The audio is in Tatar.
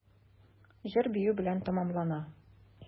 Җыр-бию белән тәмамлана.